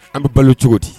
An bɛ balo cogo di